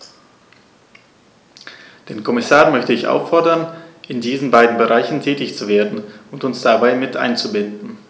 Den Kommissar möchte ich auffordern, in diesen beiden Bereichen tätig zu werden und uns dabei mit einzubinden.